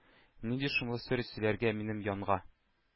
Нинди шомлы сер сөйләргә минем янга?